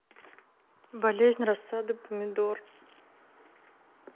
болезнь рассады помидор